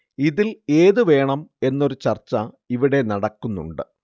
ഇതില്‍ ഏതു വേണം എന്നൊരു ചര്‍ച്ച ഇവിടെ നടക്കുന്നുണ്ട്